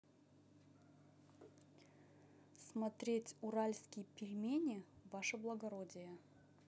смотреть уральские пельмени ваше благородие